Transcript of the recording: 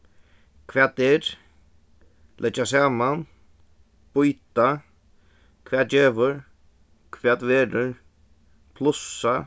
hvat er leggja saman býta hvat gevur hvat verður plussa